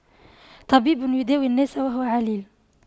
طبيب يداوي الناس وهو عليل